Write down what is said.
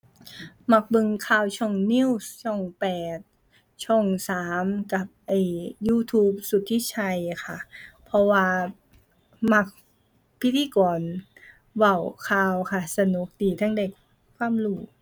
มักเบิ่งข่าวช่องนิวส์ ช่องแปด ช่องสาม กับไอ้ YouTube สุทธิชัยค่ะ เพราะว่ามักพิธีกรเว้าข่าวค่ะ สนุกดี เทิงได้ความรู้